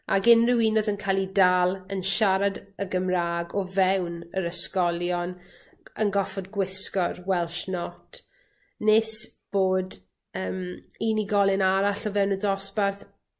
ag unryw un o'dd yn ca'l 'i dal yn siarad y Gymra'g o fewn yr ysgolion g- yn goffod gwisgo'r Welsh Not, nes bod yym unigolyn arall o fewn y dosbarth